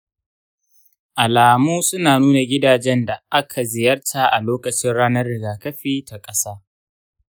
alamu suna nuna gidajen da aka ziyarta a lokacin ranar rigakafi ta ƙasa.